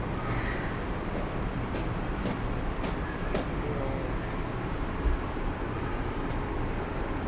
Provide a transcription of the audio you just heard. бывает